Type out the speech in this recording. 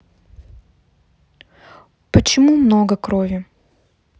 почему много крови